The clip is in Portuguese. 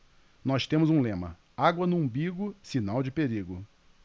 nós temos um lema água no umbigo sinal de perigo